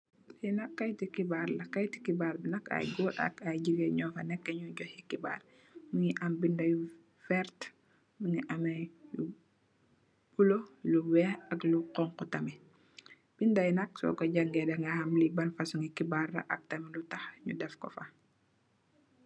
Lii nak keiti khibarr la, keiti khibarr bii nak aiiy gorre ak aiiy gigain njur fa neka njui jokeh khibarr, mungy am binda yu vertue, mungy ameh lu bleu, lu wekh ak lu khonku tamit, binda yii nak sor kor jangeh danga ham lii ban fasoni khibarr la ak lutakh nju def kor fa.